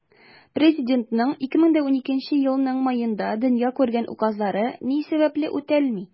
Президентның 2012 елның маенда дөнья күргән указлары ни сәбәпле үтәлми?